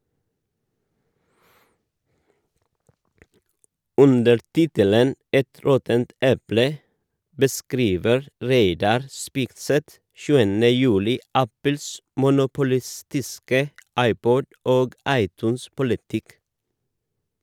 Under tittelen «Et råttent eple» beskriver Reidar Spigseth 7. juli Apples monopolistiske iPod- og iTunes-politikk.